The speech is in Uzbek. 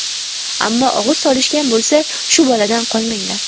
ammo og'iz solishgan bo'lsa shu boladan qolmanglar